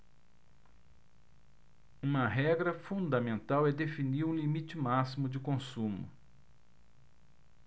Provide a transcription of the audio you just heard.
uma regra fundamental é definir um limite máximo de consumo